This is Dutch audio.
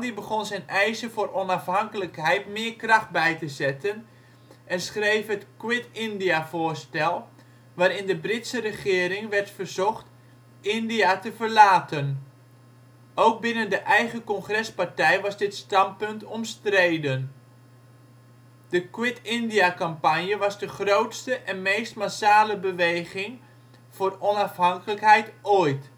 begon zijn eisen voor onafhankelijkheid meer kracht bij te zetten en schreef het " Quit India "- voorstel waarin de Britse regering werd verzocht India te verlaten. Ook binnen de eigen Congrespartij was dit standpunt omstreden. De " Quit India "- campagne was de grootste en meest massale beweging voor onafhankelijkheid ooit